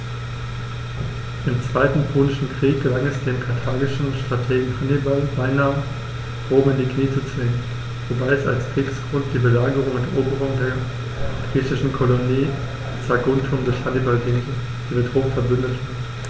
Im Zweiten Punischen Krieg gelang es dem karthagischen Strategen Hannibal beinahe, Rom in die Knie zu zwingen, wobei als Kriegsgrund die Belagerung und Eroberung der griechischen Kolonie Saguntum durch Hannibal diente, die mit Rom „verbündet“ war.